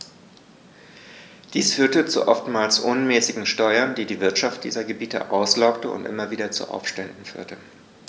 Dies führte zu oftmals unmäßigen Steuern, die die Wirtschaft dieser Gebiete auslaugte und immer wieder zu Aufständen führte.